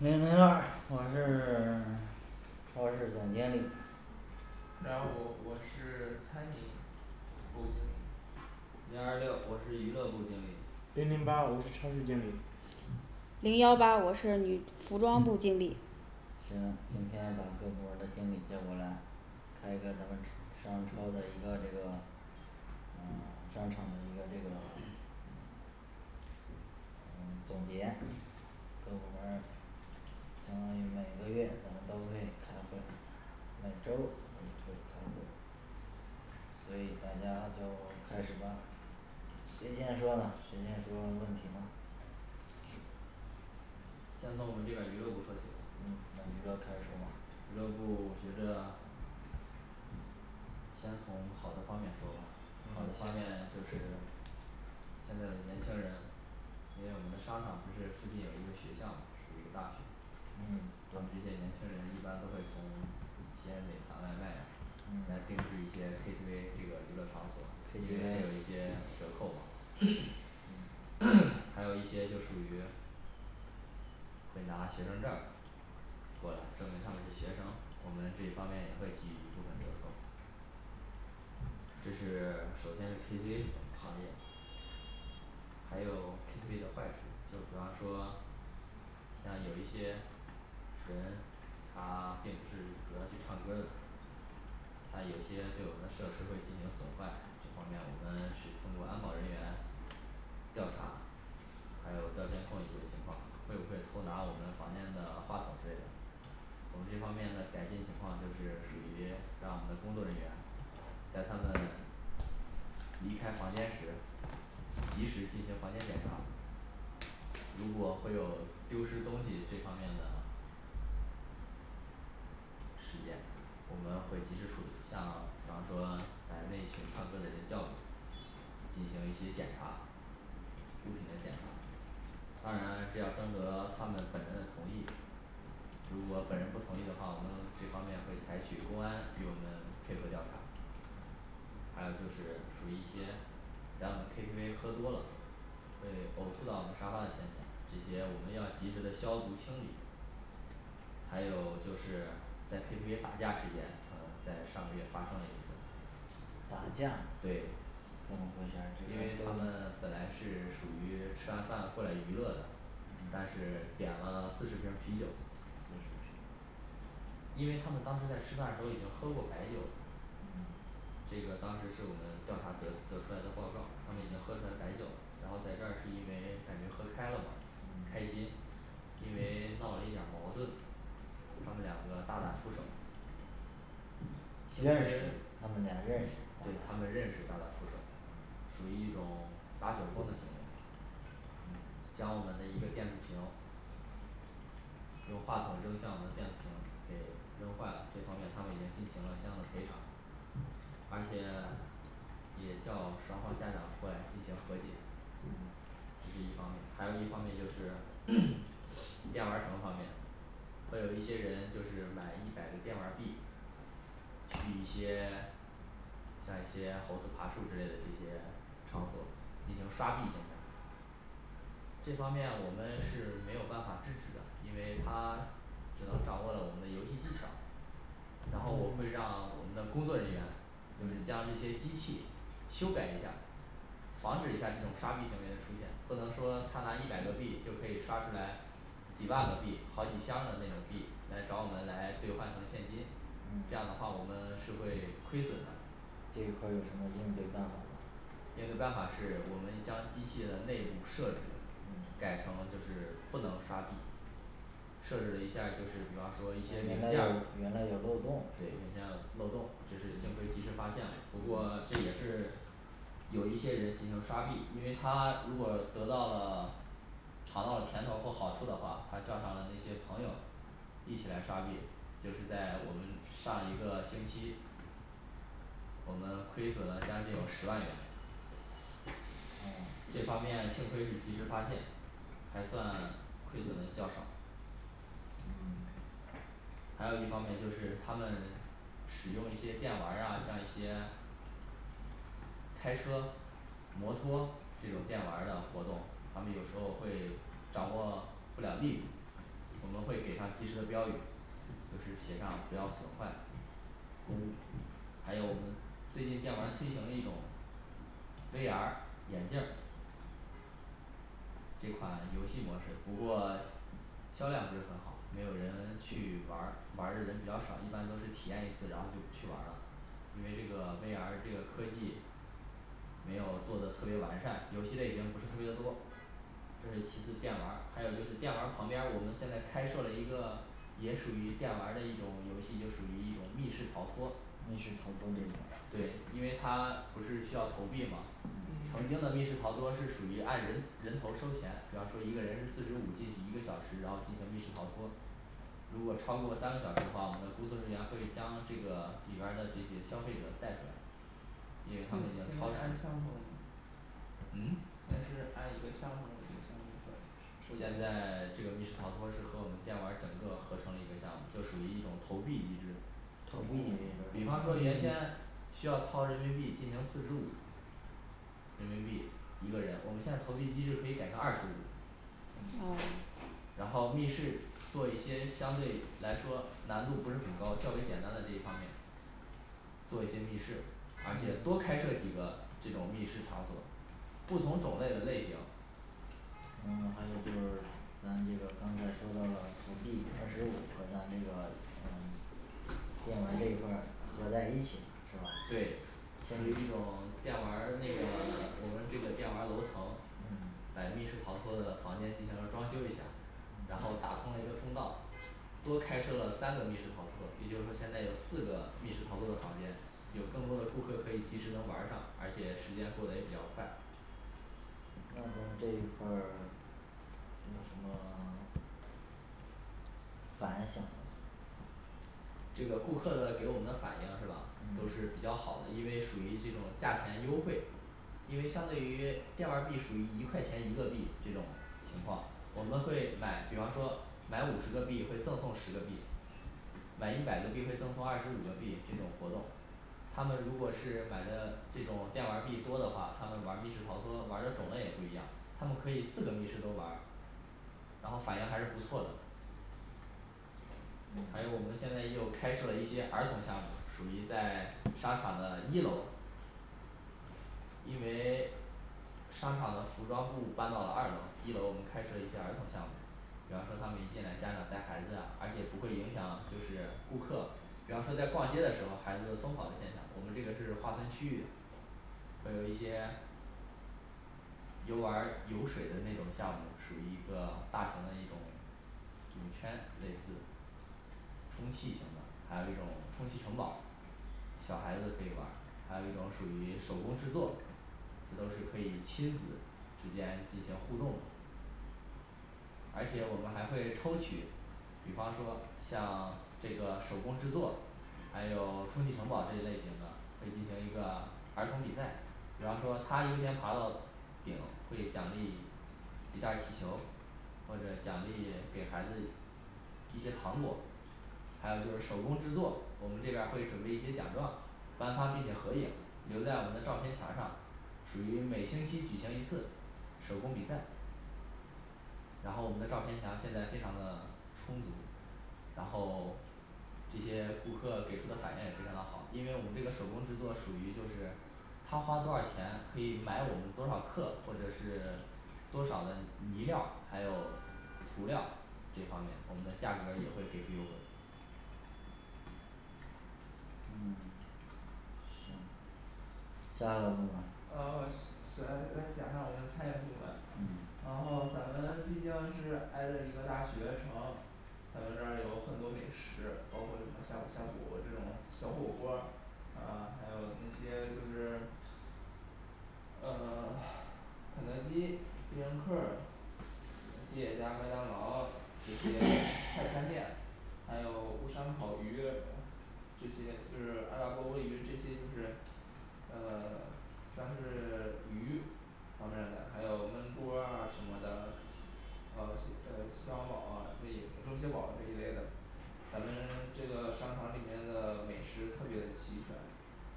零零二我是 超市总经理零二五我是餐饮部经理零二六我是娱乐部经理零零八我是超市经理零幺八我是女服装部经理行，今天把各部门儿的经理叫过来，开一个咱们超商超的一个这个呃 商场的一个这个 嗯总结各部门儿相当于每个月咱们都会开会，每周儿咱们也会开会所以大家就开始吧谁先说呢谁先说问题呢先从我们这边儿娱乐部说起嗯吧那娱乐开始说娱吧乐部儿我觉着先从好的方面说吧，好的嗯方面就是行现在的年轻人，因为我们的商场不是附近有一个学校嘛属于一个大学嗯他们这些年轻人一般都会从些美团外卖啊来定嗯制一些K T V这个娱乐场所，因为会有一些折扣嘛还有一些就属于会拿学生证儿过来证明他们是学生，我们这一方面也会给予一部分折扣这是 首先是K T V行业，还有K T V的坏处，就比方说像有一些人他并不是主要去唱歌儿的他有些对我们的设施会进行损坏，这方面我们是通过安保人员调查，还有调监控一些情况，会不会偷拿我们房间的话筒之类的我们这方面的改进情况就是属于让我们的工作人员在他们离开房间时，及时进行房间检查。如果会有丢失东西这方面的事件我们会及时处理，像比方说把那一群唱歌的人叫住进行一些检查，物品的检查。当然这要征得他们本人的同意如果本人不同意的话，我们这方面会采取公安与我们配合调查，还有就是属于一些在我们K T V喝多了会呕吐到我们沙发的现象，这些我们要及时的消毒清理。还有就是在K T V打架事件曾在上个月发生了一次打架对怎么回事儿这因为个他工们本来是属于吃完饭过来娱乐的，但嗯是点了四十瓶儿啤酒就是这样因为他们当时在吃饭的时候已经喝过白酒了嗯这个当时是我们调查得得出来的报告，他们已经喝出来白酒了，然后在这儿是因为感觉喝开了嘛开嗯心因为闹了一点儿矛盾，他们两个大打出手幸亏人认对识他们俩儿认识他们是吗认识大打出手，属于一种撒酒儿疯的行为嗯将我们的一个电子屏用话筒扔向我们电子屏给扔坏了，这方面他们已经进行了相应的赔偿。 而且也叫双方家长过来进行和解嗯这是一方面。还有一方面就是电玩儿城方面，会有一些人就是买一百个电玩儿币，去一些像一些猴子爬树之类的这些场所儿进行刷币现象这方面我们是没有办法制止的，因为他只要掌握了我们的游戏技巧然后我会嗯让我们的工作人员就是将这些机器修改一下儿，防止一下儿这种刷币行为的出现，不能说他拿一百个币就可以刷出来几万个币好几箱儿的那种币来找我们来兑换成现金，这样的嗯话我们是会亏损的这一块儿有什么应对办法吗？应对办法是我们将机器的内部设置嗯改成就是不能刷币设置了一下儿，就是比方说一些原零来件有儿原来有漏对原洞先漏洞这是幸亏及时发现了，不过这也是有一些人进行刷币，因为他如果得到了尝到了甜头儿和好处的话，他叫上了那些朋友一起来刷币，就是在我们上一个星期我们亏损了将近有十万元哦这方面幸亏是及时发现，还算亏损的较少嗯 还有一方面就是他们使用一些电玩儿啊，像一些开车摩托这种电玩儿的活动，他们有时候会掌握不了力度，我们会给他及时的标语就是写上不要损坏，公物还有我们最近电玩儿推行了一种V R眼镜儿这款游戏模式不过销 销量不是很好，没有人去玩儿玩儿的人比较少，一般都是体验一次，然后就不去玩儿了因为这个V R这个科技没有做的特别完善，游戏类型不是特别多，这是其次电玩儿，还有就是电玩儿旁边儿，我们现在开设了一个也属于电玩儿的一种游戏，就属于一种密室逃脱，密室逃脱这对个，因为它不是需要投币吗，曾嗯经的密室逃脱是属于按人人头儿收钱，比方说一个人是四十五进去一个小时，然后进行密室逃脱如果超过三个小时的话，我们的工作人员会将这个里边儿的这些消费者带出来因现为他现们已在经是超时按项了目，了吗现嗯在是按一个项目儿一个项目儿会收现在这收钱个密室逃脱是和我们电玩儿整个合成了一个项目，就属于一种投币机制投币比方说原机制先嗯需要掏人民币进行四十五人民币，一个人，我们现在投币机是可以改成二十五嗯，还有密室然后密室做一些相对来说难度不是很高，较为简单的这一方面做一些密室，而嗯且多开设几个这种密室场所，不同种类的类型呃还有就是咱这个刚才说到了投币二十五和咱这个嗯电玩这一块儿合在一起了是吧？对属于一种电玩儿，那个 我们这个电玩儿楼层，嗯把密室逃脱的房间进行了装修一下，然后打通了一个通道多开设了三个密室逃脱，也就是说现在有四个密室逃脱的房间，有更多的顾客可以及时能玩儿上，而且时间过得也比较快那咱们这一块儿那什么 反响呢这个顾客的给我们的反应是吧？都是嗯比较好的，因为属于这种价钱优惠，因为相对于电玩儿币属于一块钱一个币，这种情况我们会买比方说买五十个币会赠送十个币买一百个币会赠送二十五个币这种活动。 他们如果是买的这种电玩儿币多的话，他们玩儿密室逃脱玩儿的种类也不一样他们可以四个密室都玩儿，然后反映还是不错的还有我嗯们现在又开设了一些儿童项目，属于在商场的一楼因为 商场的服装部儿搬到了二楼，一楼我们开设一些儿童项目，比方说他们一进来家长带孩子呀，而且不会影响就是顾客比方说在逛街的时候孩子疯跑的现象，我们这个是划分区域的，会有一些游玩儿游水的那种项目，属于一个大型的一种泳圈，类似充气型的，还有一种充气城堡小孩子可以玩儿，还有一种属于手工制作，这都是可以亲子之间进行互动的而且我们还会抽取，比方说像这个手工制作，还有充气城堡这一类型的会进行一个儿童比赛，比方说他优先爬到顶会奖励一袋儿气球或者奖励给孩子一些糖果，还有就是手工制作，我们这边儿会准备一些奖状颁发并且合影儿留在我们的照片墙上，属于每星期举行一次手工比赛然后我们的照片墙现在非常的充足，然后这些顾客给出的反应也非常的好，因为我们这个手工制作属于就是他花多少钱可以买我们多少克或者是多少的泥泥料儿，还有涂料儿这方面我们的价格儿也会给出优惠嗯 行下个部门儿呃 是是诶来讲一下儿我们餐饮部门嗯然后咱们毕竟是挨着一个大学城咱们这儿有很多美食，包括什么呷哺呷哺这种小火锅儿，啊还有那些就是呃 肯德基、必胜客儿、吉野家麦当劳这些 快餐店，还有巫山烤鱼，这些就是爱辣啵啵鱼这些就是呃 算是 鱼方面的，还有焖锅儿啊什么的，呃蟹呃蟹黄包儿啊这一卤蟹包儿这一类的咱们这个商场里面的美食特别的齐全，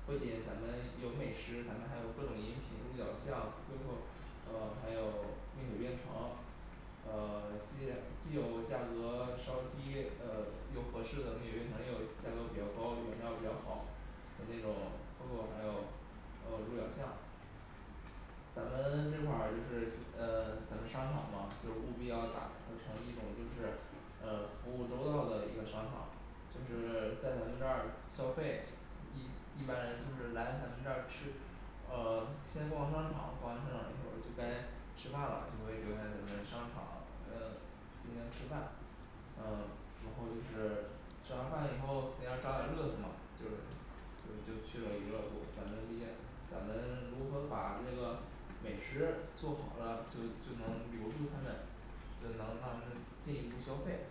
不仅咱们有美食，咱们还有各种饮品，鹿角巷、CoCo呃还有蜜雪冰城呃 既然既有价格稍低呃又合适的蜜雪冰城又有价格比较高，原料儿比较好那种CoCo还有呃鹿角巷咱们这块儿就是需呃咱们商场嘛就是务必要打造成一种就是呃服务周到的一个商场就是在咱们这儿消费一一般人就是来咱们这儿吃，呃先逛商场，逛完商场以后就该吃饭了，就会留在咱们商场呃进行吃饭呃然后就是吃完饭以后肯定要找点乐子嘛，就是就就去了娱乐部，咱们毕竟咱们如何把这个美食做好了就就能留住他们，就能让他们进一步消费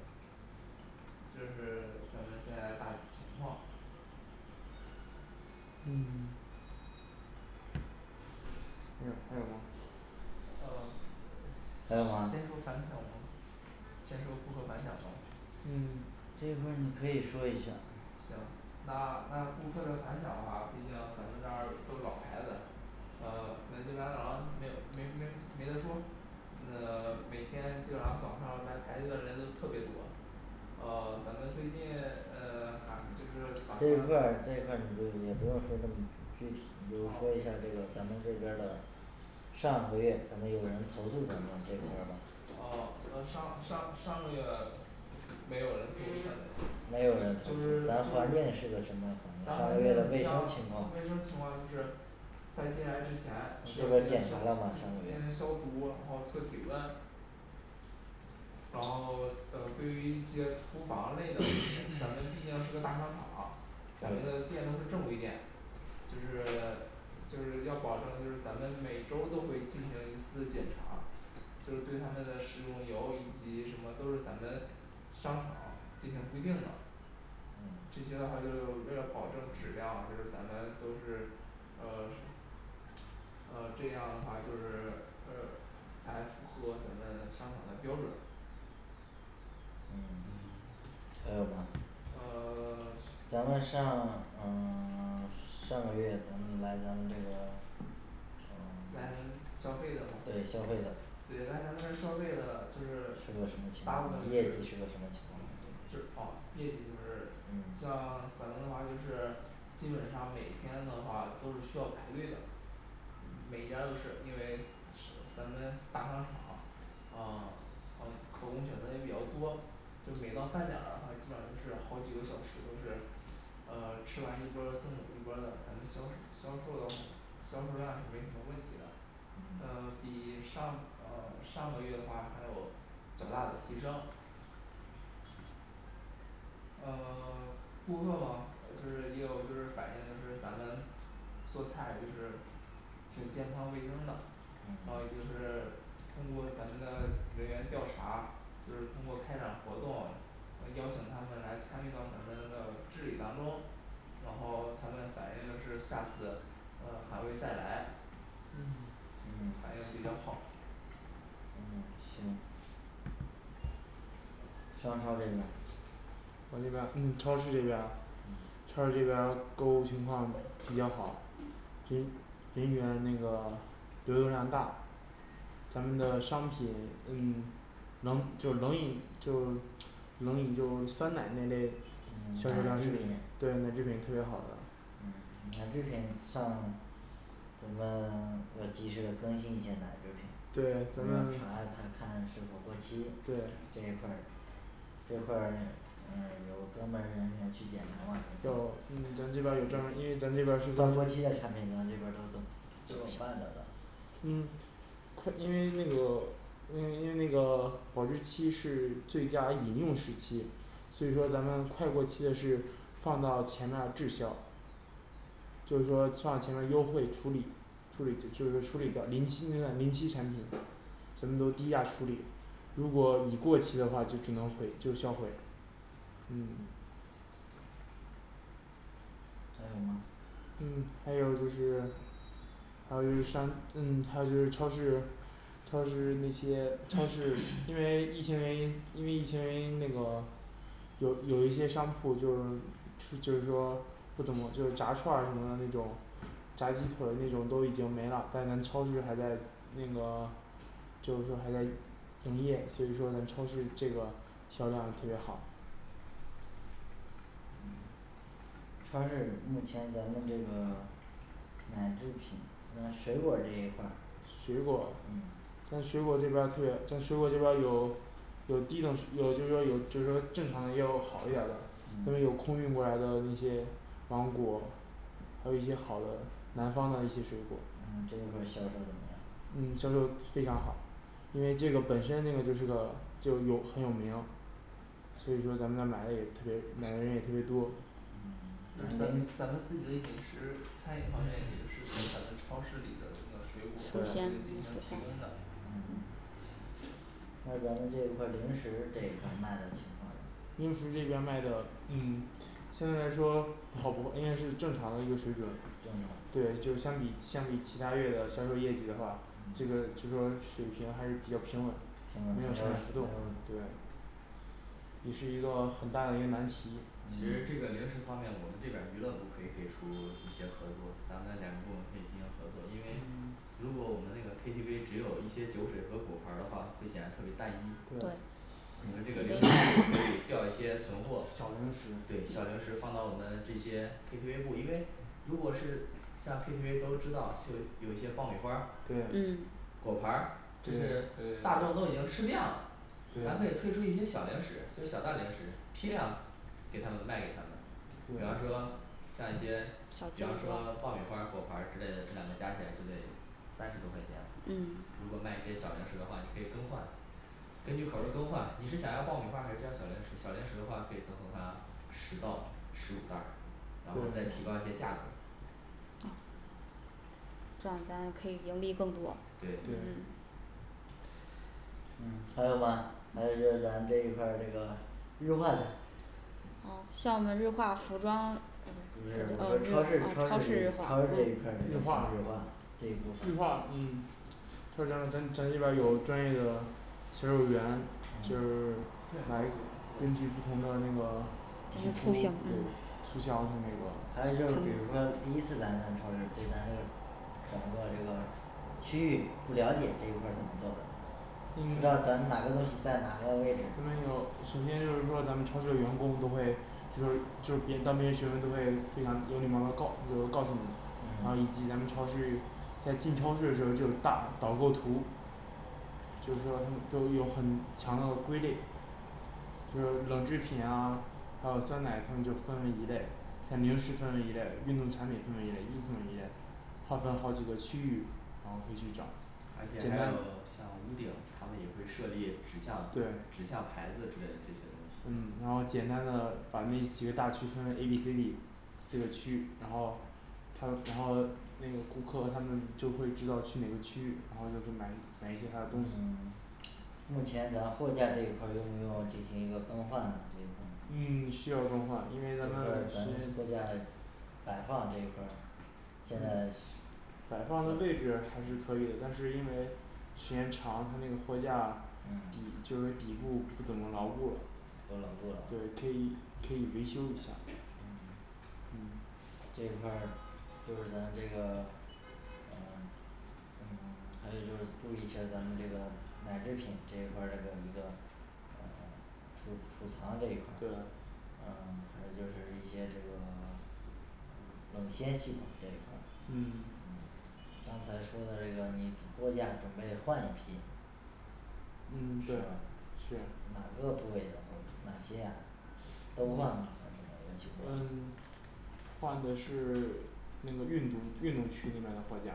这是咱们现在大体情况嗯还有还有吗还呃有吗先说反响吗先说顾客反响吗嗯这一块儿你可以说一下行儿那那顾客的反响的话，毕竟咱们这儿都是老牌子，呃肯德基麦当劳没有没没没得说呃 每天基本上早上来排队的人都特别多呃咱们最近呃还就是打这一算块儿这一在块儿你不也不用说那么具体，你就说一下这哦个咱们这边儿的上个月咱们有人投诉咱们这一块儿吗噢那上上上个月没有人投诉咱没有人们，投就是诉就咱环境是，是个什么咱环境你像环境上个月的卫卫生情况生情况就是，在进来之前是这那个边消儿进检行查了吗上个月消毒，还有测体温然后呃对于一些厨房类的，就是咱们毕竟是个大商场，咱们的店都对是正规店，就是就是要保证就是咱们每周儿都会进行一次检查就是对他们的食用油以及什么都是咱们商场进行规定的。嗯这些的话就是为了保证质量，就是咱们都是呃 呃这样的话就是呃才符合咱们商场的标准嗯嗯还有吗呃 是咱们上呃 上个月咱们来咱们这个呃 来咱们消费对消费的吗的对来咱们这儿消费的就是是个什么情大部况分呢就业绩是是个什么情况呢比就如哦说业绩就是像嗯咱们的话就是基本上每天的话都是需要排队的，每一家儿都是因为是咱们大商场呃 啊可供选择的也比较多，每到饭点儿的话基本都是上好几个小时都是呃 吃完一波儿送走一波儿的，反正销售销售的话销售量是没什么问题的，呃 嗯比上呃上个月的话还有较大的提升呃 顾客嘛就是也有就是反映就是咱们做菜就是挺健康卫生的。呃嗯也是通过咱们的人员调查，就是通过开展活动，邀请他们来参与到咱们的治理当中然后他们反映就是下次呃还会再来嗯嗯反应比较好商超这边儿我这边儿嗯超市这边儿嗯超市这边儿购物情况比较好。 人人员那个流动量大，咱们的商品嗯冷就是冷饮就冷饮就酸奶那类销售嗯量奶制是品对奶制品特别好的嗯奶制品上咱要查它看看是否过期这一块儿咱对咱们要查看看是否过期这对一块儿这块儿嗯 有专门儿人员去检查吗这一块有儿咱这边儿有专门儿因为咱们这边儿是跟快过期的产品咱这边儿都怎么都怎么办的呢嗯快因为那个因为因为那个保质期是最佳饮用时期，所以说咱们快过期的是放到前面儿滞销就是说上前面儿优惠处理处理就是处理掉临期的临期产品咱们都低价处理，如果已过期的话就只能毁就销毁嗯还有吗嗯还有就是还有就是商嗯还有就是超市，超市那些超市因为疫情原因因为疫情原因那个，有有一些商铺就是出就是说不怎么就是炸串儿啊什么什么的那种，炸鸡腿儿那种都已经没了但咱们超市还在那个就是说还在营业，所以说咱超市这个销量特别好超市目前咱们这个 奶制品那水果儿这一块儿水果嗯咱水果这边儿特别咱水果这边儿有有低等水 有就是说有就是说正常的也有好一点儿的，咱们有嗯空运过来的那些芒果儿，还有一些好的南方的一些水果儿嗯这一块儿销售怎么嗯样呢？销售非常好因为这个本身那个就是个就有很有名，所以说咱们这买的也特别买的人也特别多嗯就是咱咱咱们临自己的饮食餐饮方面，也就是咱们超市里的那个水果水儿进鲜行还是提啥供的嗯 那咱们这一块儿零食这一块卖儿的情况零食呢这边儿卖的嗯相对来说不好不应该是正常的一个水准对，就正常是相比相比其它月的销售业绩的话，这个嗯就是说水平还是比较平稳平稳，没没有没有太大浮动有，对也是一个很大的一个难题其实这个零食方面我们这边儿娱乐部可以给出 一些合作，咱们两个部门可以进行合作，因为嗯如果我们那个K T V只有一些酒水和果盘儿的话会显得特别单一对对你们这个零食铺可以 调一些存货小零食对小零食放到我们这些K T V部因为如果是像K T V都知道就有一些爆米花儿，对嗯果盘儿这是大对众都已经吃遍了，咱可以推对出一些小零食，就是小袋儿零食批量给他们卖给他们比方对说像一些比方说爆米花儿果盘儿之类的，这两个加起来就得三十多块钱嗯，如果卖一些小零食的话你可以更换，根据口味儿更换，你是想要爆米花儿还是叫小零食？小零食的话可以赠送他十到十五袋儿然后再对提高一些价格儿这样咱们可以盈利更多对嗯对嗯，还有吗还有就是咱这一块儿这个日化这儿噢像我们日化服装就是我哦对呃说超超市超市这市一这一块超市儿这一块儿嗯这日个行化日化这一部日化分嗯特征咱咱这边儿有专业的销售员就是来根据不同的那个皮皮肤肤对型儿嗯促销它那个还有就是比如说第一次来咱超市对咱这个整个这个区域不了解这一块儿怎么做的不嗯知道 咱哪个东西在哪个位置这边有首先就是说咱们超市有员工都会就是就是别当别人询问都会非常有礼貌的告就告诉你，然后以及嗯咱们超市在进超市的时候儿就有大导购图图就是说它们都有很强的归类，就是冷制品啊，还有酸奶它们就分为一类，肯定是分为一类，运动产品分为一类衣服分为一类划分好几个区域，然后可以去找而，且咱还们有像屋顶，他们也会设立指向对指向牌子之类的这些东西，嗯然后简单的把那几个大区分为A B C D 四个区域，然后他然后那个顾客他们就会知道去哪个区域，然后就会买买一些他的嗯东西 目前咱货架这一块儿用不用进行一个更换呢，这一块儿嗯需要更换因为这咱块们儿是咱货架摆放这一块儿现在是嗯摆放的位置还是可以的，但是因为时间长，它那个货架底就是底部不怎么牢固了不牢固了对可以可以维修一下嗯嗯这一块儿就是咱这个呃嗯还有就是注意一下儿咱们这个奶制品这一块儿的这个一个呃储储藏这一块儿对呃还有就是一些这个嗯冷鲜系统这一块儿嗯刚才说的这个你货架准备换一批嗯是对吧是哪个部位的货哪些呀都换吗还是怎么一个情况嗯换的是那个运动运动区那边的货架